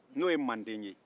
n'o ye mande ye